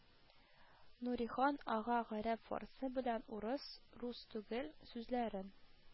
Нурихан ага гарәп-фарсы белән урыс («рус» түгел) сүзләрен